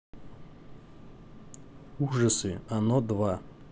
ужасы оно два